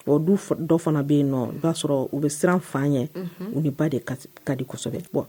Du dɔ fana bɛ yen nɔ o y'a sɔrɔ u bɛ siran fan ye u de ba de ka disɛbɛ